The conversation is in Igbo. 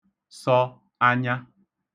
sọ anya